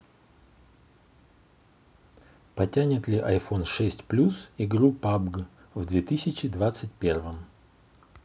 потянет ли айфон шесть плюс игру пабг в две тысячи двадцать первом